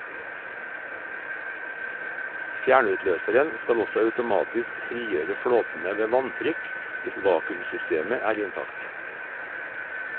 Fjernutløseren skal også automatisk frigjøre flåtene ved vanntrykk hvis vakuum-systemet er intakt.